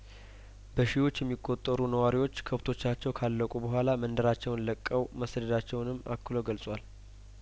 በሺዎች የሚቆጠሩ ነዋሪዎች ከብቶቻቸው ካለቁ በኋላ መንደራቸውን ለቀው መሰደዳቸውንም አክሎ ገልጿል